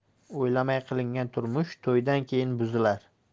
o'ylamay qilingan turmush to'ydan keyin buzilar